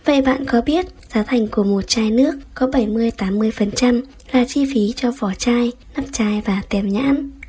vậy bạn có biết giá thành của chai nước có phần trăm phần trăm chi phí cho vỏ chai nắp chai và tem nhãn